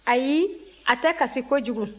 ayi a tɛ kasi kojugu